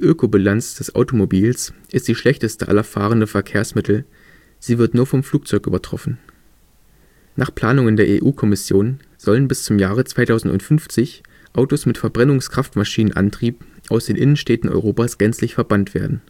Ökobilanz des Automobils ist die schlechteste aller fahrenden Verkehrsmittel, sie wird nur vom Flugzeug übertroffen. Nach Planungen der EU-Kommission sollen bis zum Jahr 2050 Autos mit Verbrennungskraftmaschinenantrieb aus den Innenstädten Europas gänzlich verbannt werden